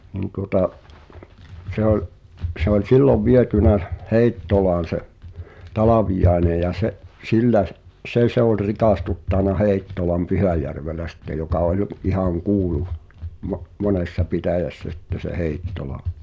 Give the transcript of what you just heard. niin tuota se oli se oli silloin viety Heittolaan se Talviainen ja se sillä - se se oli rikastuttanut Heittolan Pyhäjärvellä sitten joka oli ihan kuulu - monessa pitäjässä sitten se Heittola